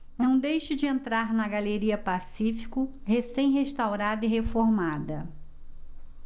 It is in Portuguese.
não deixe de entrar na galeria pacífico recém restaurada e reformada